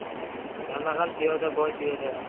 kambag'al piyoda boy tuyada